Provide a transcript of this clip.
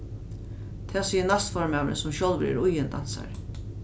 tað sigur næstformaðurin sum sjálvur er íðin dansari